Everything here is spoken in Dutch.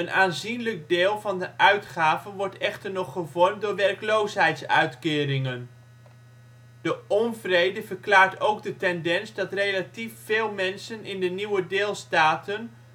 aanzienlijk deel van de uitgaven wordt echter nog gevormd door werkloosheidsuitkeringen. De onvrede verklaart ook de tendens dat relatief veel mensen in de nieuwe deelstaten